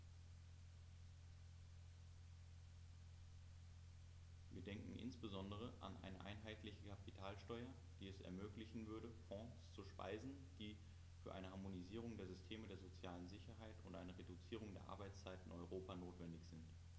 Wir denken insbesondere an eine einheitliche Kapitalsteuer, die es ermöglichen würde, Fonds zu speisen, die für eine Harmonisierung der Systeme der sozialen Sicherheit und eine Reduzierung der Arbeitszeit in Europa notwendig sind.